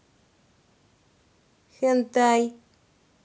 хентай